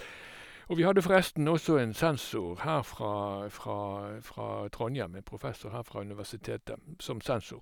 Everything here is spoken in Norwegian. Og vi hadde forresten også en sensor her fra fra fra Trondhjem, en professor her fra universitetet, som sensor.